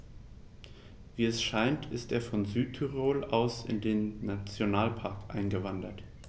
Wie es scheint, ist er von Südtirol aus in den Nationalpark eingewandert.